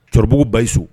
Cɛkɔrɔbabugu ba so